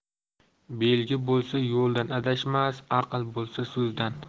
belgi bo'lsa yo'ldan adashmas aql bo'lsa so'zdan